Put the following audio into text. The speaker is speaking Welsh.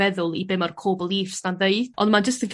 feddwl i be ma'r core beliefs 'na'n ddeud. Ond ma'n jyst yn...